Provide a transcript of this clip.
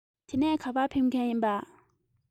དེ ནས ག པར ཕེབས མཁན ཡིན པ